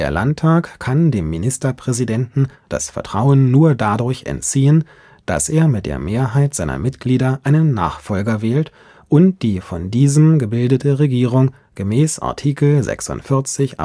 Landtag kann dem Ministerpräsidenten das Vertrauen nur dadurch entziehen, dass er mit der Mehrheit seiner Mitglieder einen Nachfolger wählt und die von diesem gebildete Regierung gemäß Artikel 46